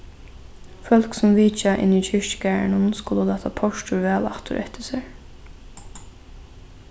fólk sum vitja inni í kirkjugarðinum skulu lata portur væl aftur eftir sær